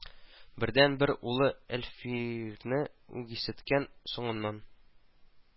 Бердәнбер улы әлфирне үгисеткән, соңыннан